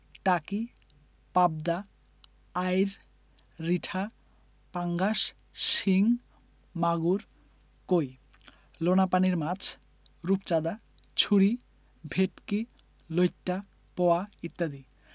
টাকি পাবদা আইড় রিঠা পাঙ্গাস শিং মাগুর কৈ লোনাপানির মাছ রূপচাঁদা ছুরি ভেটকি লইট্ট পোয়া ইত্যাদি